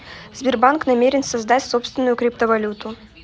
сбербанк намерен создать собственную криптовалюту